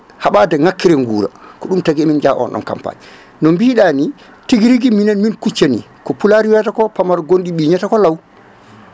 haɓade ngakkere guura ko ɗum tagui emin jaa on ɗon campagne no mbiɗani tiguirigui minen min kuccani ko pulaar wiyata ko pamaro gonɗi ɓiñata law